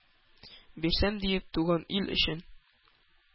Бирсәм, диеп, туган ил өчен».